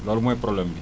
loolu mooy problème bi